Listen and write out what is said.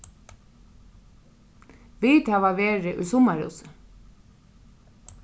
vit hava verið í summarhúsi